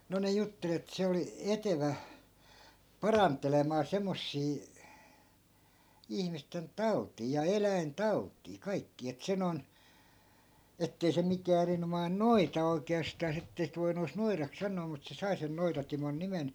no ne jutteli että se oli etevä parantelemaan semmoisia ihmisten tauteja ja eläintauteja kaikkia että se noin että ei se mikään erinomainen noita oikeastaan että ei sitten voinut edes noidaksi sanoa mutta se sai sen Noita-Timon nimen